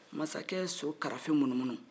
mansakɛ ye so karafe munumunun